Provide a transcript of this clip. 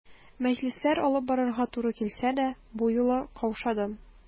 Мәҗлесләр алып барырга туры килсә дә, бу юлы каушадым.